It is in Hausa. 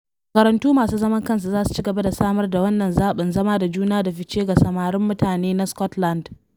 Makarantu masu zaman kansu za su ci gaba da samar da wannan zabin, zama da juna da fice ga samarin mutane na Scotland.